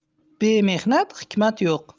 bemehnat hikmat yo'q